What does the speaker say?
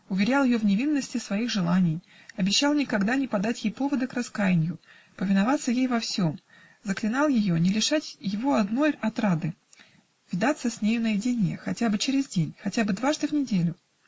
уверял ее в невинности своих желаний, обещал никогда не подать ей повода к раскаянию, повиноваться ей во всем, заклинал ее не лишать его одной отрады: видаться с нею наедине, хотя бы через день, хотя бы дважды в неделю.